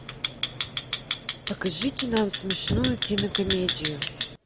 покажите нам смешную кинокомедию